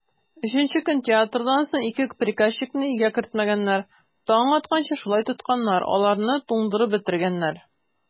Өченче көн театрдан соң ике приказчикны өйгә кертмәгәннәр, таң атканчы шулай тотканнар, аларны туңдырып бетергәннәр.